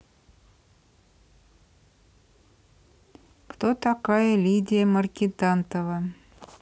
кто такая лидия маркитантова